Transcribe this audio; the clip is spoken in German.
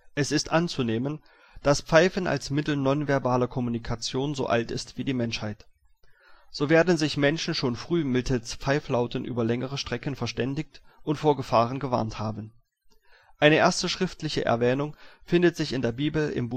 Es ist anzunehmen, dass Pfeifen als Mittel nonverbaler Kommunikation so alt ist wie die Menschheit. So werden sich Menschen schon früh mittels Pfeiflauten über längere Strecken verständigt und vor Gefahren gewarnt haben. Eine erste schriftliche Erwähnung findet sich in der Bibel in